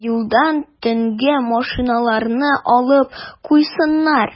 Юлдан төнгә машиналарны алып куйсыннар.